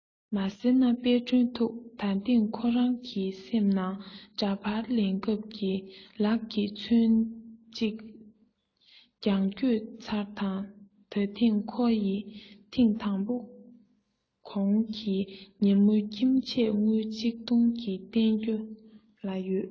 མ ཟེར ན དཔལ སྒྲོན ཐུགས ད ཐེངས ཁོ རང གི སེམས ནང དྲ པར ལེན སྐབས ཀྱི ལག གི མཚོན ན གཅིག གི རྒྱང བསྐྱོད ཚར ད ཐེངས ཁོ ཡི ཐེངས དང པོ གོང གི ཉིན མོར ཁྱིམ ཆས དངུལ ཆིག སྟོང ནི སྟོན རྒྱུ ག ལ ཡོད